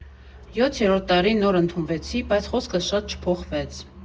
Յոթերորդ տարին նոր ընդունվեցի, բայց՝ խոսքս շատ չփոխվեց։